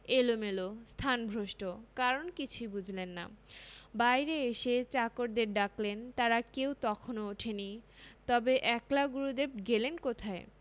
এলোমেলো স্থানভ্রষ্ট কারণ কিছুই বুঝলেন না বাইরে এসে চাকরদের ডাকলেন তারা কেউ তখনও ওঠেনি তবে একলা গুরুদেব গেলেন কোথায়